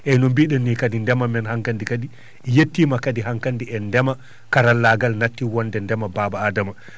eeyi no biɗen ni kadi ndema men hankandi kadi yettima kadi hankandi e ndema karallaagal nattii wonde ndema Baaba Adama